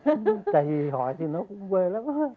tại vì hỏi thì nó cũng quê lắm thôi